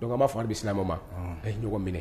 Donma fɔ bɛ sinama ma ee ɲ minɛ